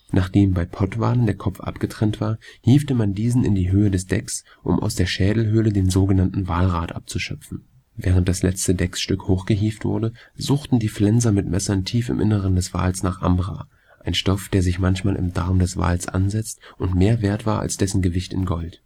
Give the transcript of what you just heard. Nachdem bei Pottwalen der Kopf abgetrennt war, hievte man diesen in die Höhe des Decks, um aus der Schädelhöhle den sogenannten Walrat abzuschöpfen. Während das letzte Decksstück hochgehievt wurde, suchten die Flenser mit Messern tief im Inneren des Wales nach Ambra, ein Stoff der sich manchmal im Darm des Wales ansetzt und mehr Wert war als dessen Gewicht in Gold